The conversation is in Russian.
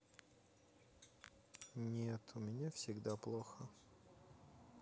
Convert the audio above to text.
нет у меня всегда плохо